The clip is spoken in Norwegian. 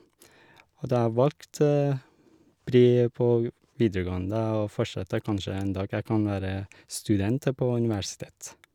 Og da jeg valgt bli på vi videregående og fortsette, kanskje en dag jeg kan være student på universitet.